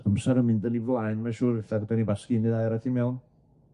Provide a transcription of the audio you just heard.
amser yn mynd yn 'i flaen mae'n siŵr, ella ni gwasgu un ne' ddau arall i mewn.